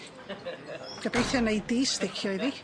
Gobeithio neu' di sticio iddi.